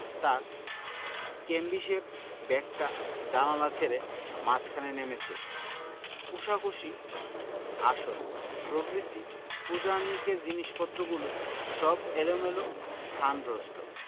তাঁর ক্যাম্বিসের ব্যাগটা জানালা ছেড়ে মাঝখানে নেমেচে কোষাকুষি আসন প্রভৃতি পূজা আহ্নিকের জিনিসপত্রগুলো সব এলোমেলো স্থানভ্রষ্ট